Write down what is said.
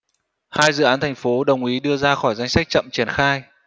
hai dự án thành phố đồng ý đưa ra khỏi danh sách chậm triển khai